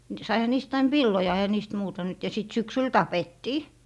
saihan niistä aina villoja eihän niistä muuta nyt ja sitten syksyllä tapettiin